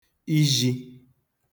izhī